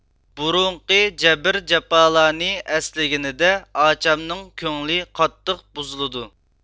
بۇرۇنقى جەبىر جاپالارنى ئەسلىگىنىدە ئاچامنىڭ كۆڭلى قاتتىق بۇزۇلىدۇ